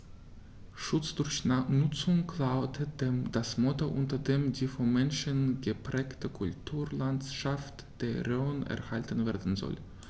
„Schutz durch Nutzung“ lautet das Motto, unter dem die vom Menschen geprägte Kulturlandschaft der Rhön erhalten werden soll.